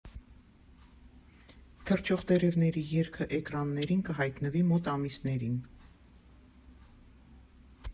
«Թռչող տերևների երգը» էկրաններին կհայտնվի մոտ ամիսներին։